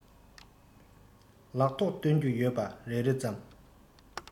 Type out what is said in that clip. ལག ཐོག སྟོན རྒྱུ ཡོད པ རེ རེ ཙམ